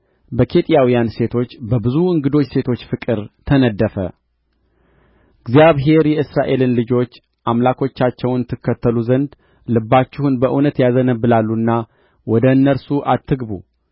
በኬጢያውያን ሴቶች በብዙ እንግዶች ሴቶች ፍቅር ተነደፈ እግዚአብሔር የእስራኤልን ልጆች አምላኮቻቸውን ትከተሉ ዘንድ ልባችሁን በእውነት ያዘነብላሉና ወደ እነርሱ አትግቡ